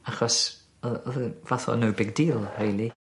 Achos odd odd e fath o no big deal rili.